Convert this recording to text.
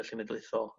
llyfrgell genedlaethol.